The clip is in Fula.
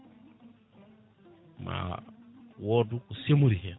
ma wood ko semori hen